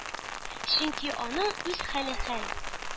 Чөнки аның үз хәле хәл: